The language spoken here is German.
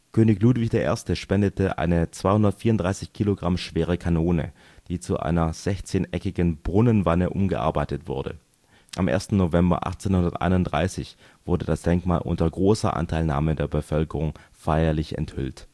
König Ludwig I. spendete eine 234 kg schwere Kanone, die zu einer sechzehneckigen Brunnenwanne umgearbeitet wurde. Am 1. November 1831 wurde das Denkmal unter großer Anteilnahme der Bevölkerung feierlich enthüllt